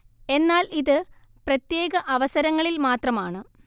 എന്നാൽ ഇത് പ്രത്യേക അവസരങ്ങളിൽ മാത്രമാണ്